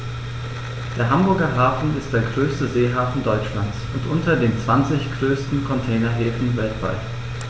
Der Hamburger Hafen ist der größte Seehafen Deutschlands und unter den zwanzig größten Containerhäfen weltweit.